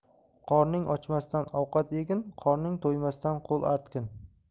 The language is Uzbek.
qorning ochmasdan ovqat yegin qorning to'ymasdan qo'l artgin